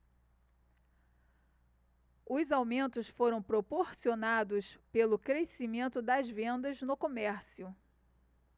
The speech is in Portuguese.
os aumentos foram proporcionados pelo crescimento das vendas no comércio